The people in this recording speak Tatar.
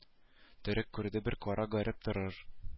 Төрек күрде бер кара гарәп торыр